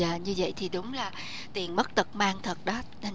dạ như vậy thì đúng là tiền mất tật mang thật đó